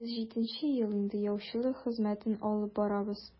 Без җиденче ел инде яучылык хезмәтен алып барабыз.